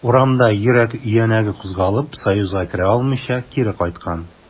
Урамда йөрәк өянәге кузгалып, союзга керә алмыйча, кире кайткан.